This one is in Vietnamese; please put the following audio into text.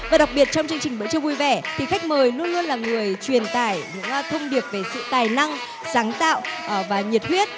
và đặc biệt trong chương trình bữa trưa vui vẻ thì khách mời luôn luôn là người truyền tải những thông điệp về sự tài năng sáng tạo ờ và nhiệt huyết